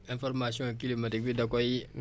am si mbéy mi